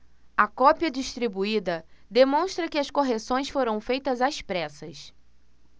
a cópia distribuída demonstra que as correções foram feitas às pressas